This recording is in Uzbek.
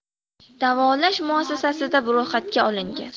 davolash muassasasida ro'yxatga olingan